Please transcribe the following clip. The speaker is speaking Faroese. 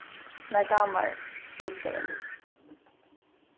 mær dámar rótsellarí